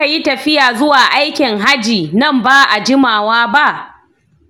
shin za ka yi tafiya zuwa aikin hajji nan baa jimawa ba?